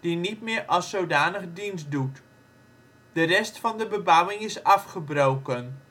die niet meer als zodanig dienst doet. De rest van de bebouwing is afgebroken.